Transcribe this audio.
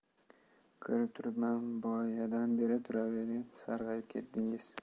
ko'rib turibman boyadan beri turaverib sarg'ayib ketdingiz